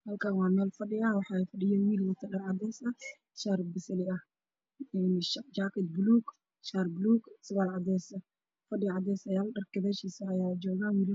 Halkaan waa meel fadhiya waxaa fadhiya wiil wata dhar cadees ah shar balasi ah jakad baluug shaar baluug surwal cadees ah fadhi cadees ayaa yala fadhiga gadashiisa waxaa yala jernal